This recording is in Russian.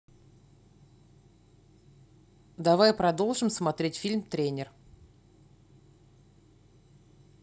давай продолжим смотреть фильм тренер